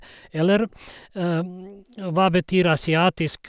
eller Og hva betyr asiatisk?